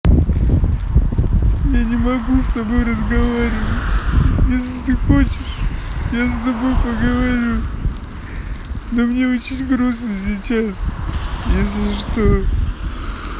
я не могу с тобой разговаривать если ты хочешь я с тобой поговорю но мне очень грустно сейчас если что